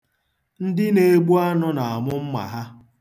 Ndị na-egbu anụ na-amụ mma ha.